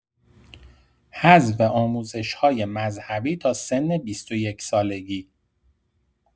حذف آموزش‌های مذهبی تا سن ۲۱ سالگی.